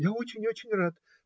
- Я очень, очень рад!